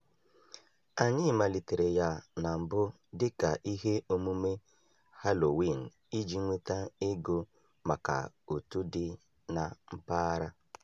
Anyị malitere ya na mbụ dịka ihe omume Halowiin iji nweta ego maka òtù dị na mpaghara.